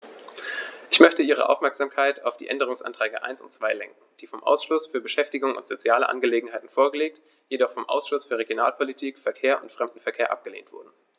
Ich möchte Ihre Aufmerksamkeit auf die Änderungsanträge 1 und 2 lenken, die vom Ausschuss für Beschäftigung und soziale Angelegenheiten vorgelegt, jedoch vom Ausschuss für Regionalpolitik, Verkehr und Fremdenverkehr abgelehnt wurden.